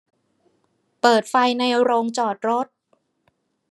เปิดไฟในโรงจอดรถ